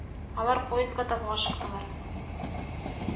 Алар поездга таба ашыктылар